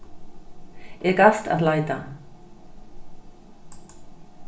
eg gavst at leita